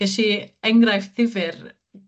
Ges i enghraifft difyr.